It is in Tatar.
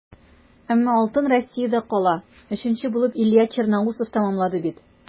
Әмма алтын Россиядә кала - өченче булып Илья Черноусов тәмамлады бит.